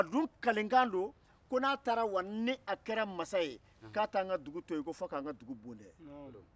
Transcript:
a dun kalikan don ko n'a taara wa ni a kɛra mansa ye k'a tan ka dugu to k'a ban ka dugu bon dɛ